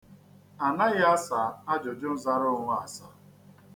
A naghị asa ajụjụnzaraonwe asa.